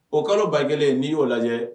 O kalo ba kelen n'i y'o lajɛ